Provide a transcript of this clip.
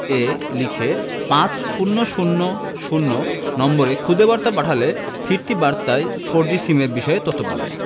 এ লিখে পাঁচ শূণ্য শূণ্য শূণ্য নম্বরে খুদে বার্তা পাঠালে ফিরতি বার্তায় ফোরজি সিমের বিষয়ে তথ্য পাবেন